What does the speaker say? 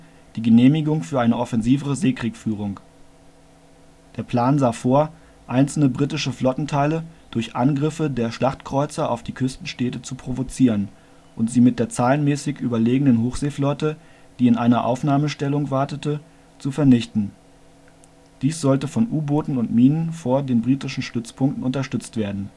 die Genehmigung für eine offensivere Seekriegführung. Der Plan sah vor, einzelne britische Flottenteile durch Angriffe der Schlachtkreuzer auf die Küstenstädte zu provozieren und sie mit der zahlenmäßig überlegenen Hochseeflotte, die in einer Aufnahmestellung wartete, zu vernichten. Dies sollte von U-Booten und Minen vor den britischen Stützpunkten unterstützt werden